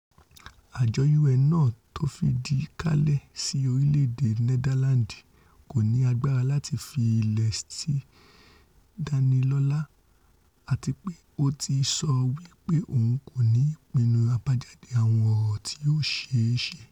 Àjọ UN náà tófìdí kalẹ̀ sí orílẹ̀-èdè Nẹdáláǹdi kòní agbára láti fi ilẹ̀ Ṣílì dánilọ́lá, àtipé ó ti sọ wí pé òun kòni pinnu àbájáde àwọn ọ̀rọ̀ tí ó ṣeé ṣe.